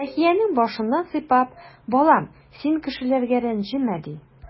Сәхиянең башыннан сыйпап: "Балам, син кешеләргә рәнҗемә",— ди.